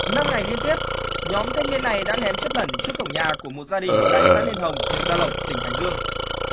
năm ngày liên tiếp nhóm thanh niên này đã ném chất bẩn trước cổng nhà của một gia đình tại xã liên hồng huyện gia lộc tỉnh hải dương